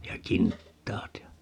ja kintaat ja